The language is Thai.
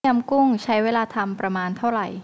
ต้มยำกุ้งใช้เวลาทำประมาณเท่าไหร่